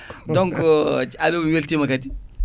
donc Aliou mi welyima kadi